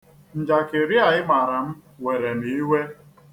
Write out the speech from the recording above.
Njakịrị a ị mara m were m iwe.